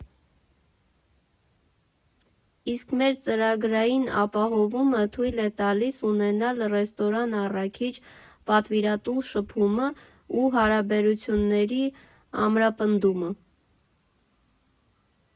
Իսկ մեր ծրագրային ապահովումը թույլ է տալիս ունենալ ռեստորան֊առաքիչ֊պատվիրատու շփումն ու հարաբերությունների ամրապնդումը։